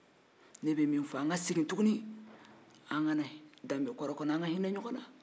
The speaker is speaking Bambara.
ne bɛ min fɔ an ka segin tugunin a ka na danbe ma